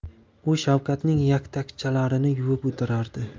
u shavkatning yaktakchalarini yuvib o'tirardi